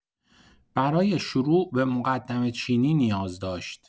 برای شروع به مقدمه‌چینی نیاز داشت.